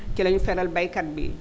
ci la énu feral baykat bi